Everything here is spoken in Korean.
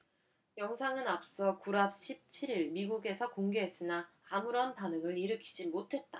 영상은 앞서 구랍 십 칠 일 미국에서 공개했으나 아무런 반응을 일으키지 못했다